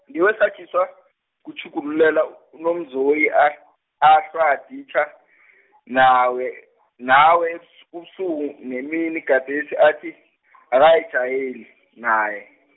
ngiwesatjiswa, kutjhugulukela, uNomzoyi ahl- , ahlwa aditjha, nawe nawe ubusuku nemini gadesi athi, akajayeli, nawe.